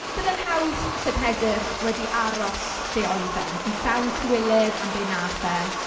Byddai'n hawdd 'se Pedr wedi aros lle oedd e. Yn llawn cywilydd am be wnaeth e.